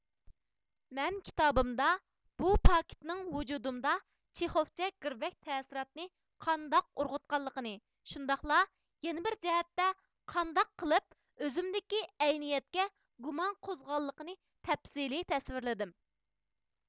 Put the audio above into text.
مەن كىتابىمدا بۇ پاكىتنىڭ ۋۇجۇدۇمدا چېخوفچە گىرۋەك تەسىراتىنى قانداق ئۇرغۇتقانلىقىنى شۇنداقلا يەنە بىر جەھەتتە قانداق قىلىپ ئۆزۈمدىكى ئەينىيەتكە گۇمان قوزغىغانلىقىنى تەپسىلىي تەسۋىرلىدىم